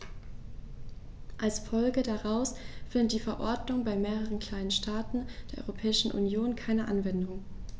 Als Folge daraus findet die Verordnung bei mehreren kleinen Staaten der Europäischen Union keine Anwendung.